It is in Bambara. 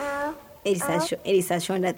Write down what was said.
Awɔ awɔ, récitation, récitation